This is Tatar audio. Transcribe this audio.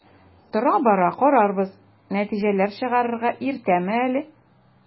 Тора-бара карарбыз, нәтиҗәләр чыгарырга иртәме әле?